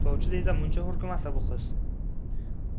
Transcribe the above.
sovchi desa muncha hurkmasa bu qiz